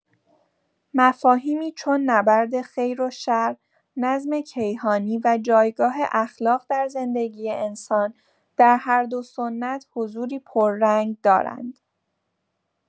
مفاهیمی چون نبرد خیر و شر، نظم کیهانی و جایگاه اخلاق در زندگی انسان، در هر دو سنت حضوری پررنگ دارند.